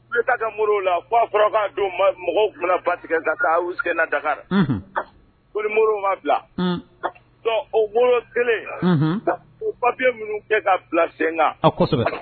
U ye coup d'Etat kɛ Modibo la yan fɔ a fɔra k'a don mɔgɔw tun bɛna ba tigɛ ka taa u sen na Dakar_ ko ni Modibo ma bila, donc o Modibo kelen o ye papier minnu kɛ ka bila sen kan. Ɔ kosɛbɛ.